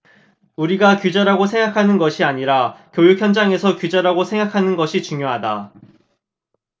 우리가 규제라고 생각하는 것이 아니라 교육 현장에서 규제라고 생각하는 것이 중요하다